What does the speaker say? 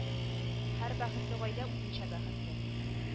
Һәр бәхетле гаилә үзенчә бәхетле